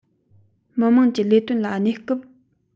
མི དམངས ཀྱི ལས དོན ལ གནས སྐབས ཕམ ཉེས བྱུང དུས བློ བརྟན པོར ཚུགས ཐུབ པ